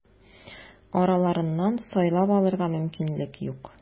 Араларыннан сайлап алырга мөмкинлек юк.